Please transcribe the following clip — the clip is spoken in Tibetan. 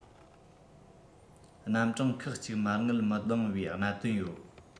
རྣམ གྲངས ཁག གཅིག མ དངུལ མི ལྡེང བའི གནད དོན ཡོད